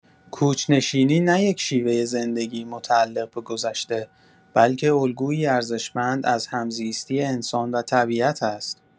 کوچ‌نشینی نه یک شیوه زندگی متعلق به گذشته، بلکه الگویی ارزشمند از همزیستی انسان و طبیعت است.